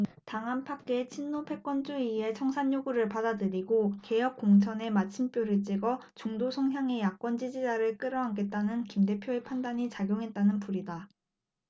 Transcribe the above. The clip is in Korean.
당 안팎의 친노패권주의 청산 요구를 받아들이고 개혁공천의 마침표를 찍어 중도성향의 야권 지지자를 끌어안겠다는 김 대표의 판단이 작용했다는 풀이다